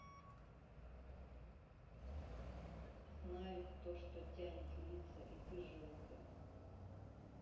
знают то что тянет лица и ты желтая